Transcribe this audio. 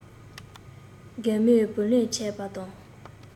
རྒན མོས བུ ལོན ཆད པ དང